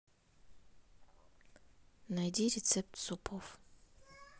найди рецепт супов